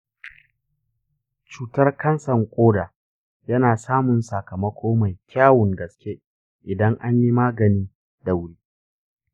cutar kansar ƙoda yana samun sakamako mai kyawun gaske idan anyi magani da wuri.